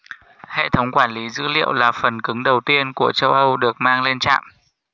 hệ thống quản lý dữ liệu là phần cứng đầu tiên của châu âu được mang lên trạm